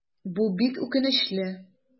Бу бик үкенечле.